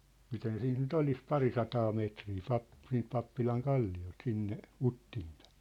miten siitä nyt olisi parisataa metriä - siitä pappilan kalliolta sinne Uttiin päin